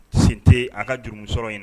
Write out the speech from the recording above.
Sen tɛ a ka jurumusɔrɔ in na